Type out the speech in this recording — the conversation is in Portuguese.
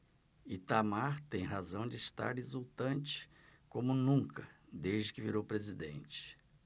itamar tem razão de estar exultante como nunca desde que virou presidente